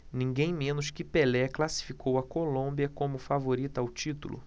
ninguém menos que pelé classificou a colômbia como favorita ao título